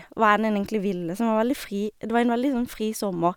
Hva enn en egentlig ville, som var veldig fri det var en veldig sånn fri sommer.